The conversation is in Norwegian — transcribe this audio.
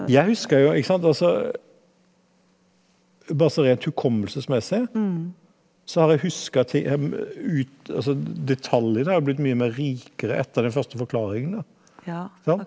jeg husker jo ikke sant altså bare sånn rent hukommelsesmessig så har jeg huska ting jeg har altså detaljene har jo blitt mye mer rikere etter den første forklaringen da sant.